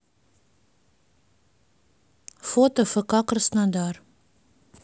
фото фк краснодар